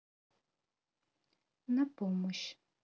на помощь